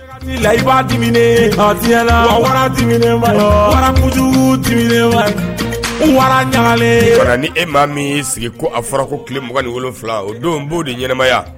Ni layi' wara warakunjugu di wara ɲagalen wa ni e ma min sigi ko a fɔrako tile mugan nifila o don b'o de ɲɛnaɛnɛmaya